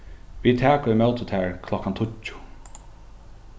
vit taka ímóti tær klokkan tíggju